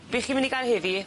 Be' chi myn' i ga'l heddi?